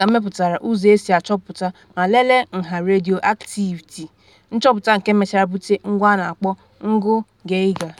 Geiger mepụtara ụzọ esi achọpụta ma lelee nha redioaktiviti, nchọpụta nke mechara bute ngwa a na-akpọ Ngụ Geiger.